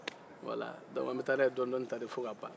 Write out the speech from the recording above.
wala donke an bɛ taa n'a ye dɔɔni-dɔɔnin ta da fɔ k'a ban